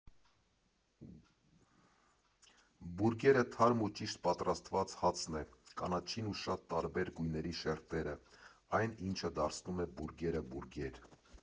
Բուրգերը թարմ ու ճիշտ պատրաստված հացն է, կանաչին ու շատ տարբեր գույների շերտերը, այն, ինչը դարձնում է բուրգերը բուրգեր։